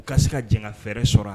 U ka se ka jɛn fɛrɛ sɔrɔ wa